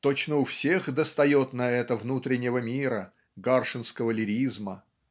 точно у всех достает на это внутреннего мира гаршинского лиризма